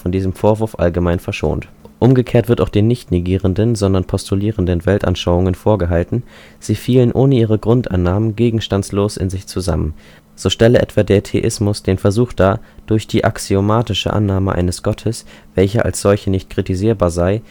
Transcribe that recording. diesem Vorwurf allgemein verschont. Umgekehrt wird auch den nicht negierenden, sondern postulierenden Weltanschauungen vorgehalten, sie fielen ohne ihre Grundannahmen gegenstandslos in sich zusammen. So stelle etwa der Theismus den Versuch dar, durch die (axiomatische) Annahme eines Gottes, welche als solche nicht kritisierbar sei